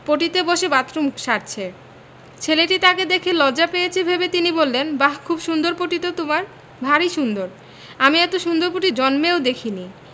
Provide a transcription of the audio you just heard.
পটিতে বসে বাথরুম সারছে ছেলেটি তাকে দেখে লজ্জা পেয়েছে ভেবে তিনি বললেন বাহ খুব সুন্দর পটি তো তোমার ভারী সুন্দর আমি এত সুন্দর পটি জন্মেও দেখিনি